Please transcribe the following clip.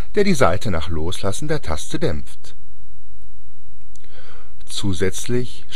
der die Saite nach Loslassen der Taste dämpft. Zusätzlich